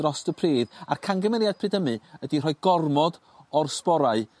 drost y pridd a'r camgymeriad pryd ymu ydi rhoi gormod o'r sborau